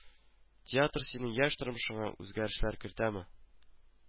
Театр синең яшь тормышыңа үзгәрешләр кертәме